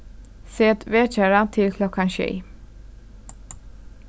set vekjara til klokkan sjey